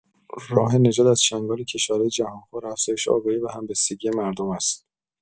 راه نجات از چنگال کشورهای جهانخوار، افزایش آگاهی و همبستگی مردم است.